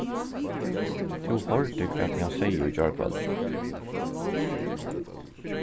tú hoyrdi hvat ið hann segði í gjárkvøldið